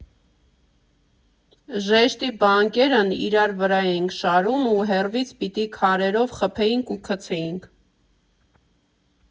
Ժեշտի բանկաներն իրար վրա էինք շարում ու հեռվից պիտի քարերով խփեինք ու գցեինք։